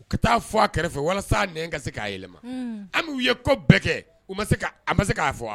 U ka taa fɔ a kɛrɛfɛ walasa ka se k'a yɛlɛma an uu ye kɔ bɛɛ kɛ u ma se ma se k'a fɔ